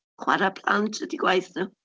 Chwarae plant ydy gwaith nhw.